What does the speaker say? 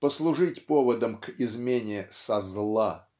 послужить поводом к измене со зла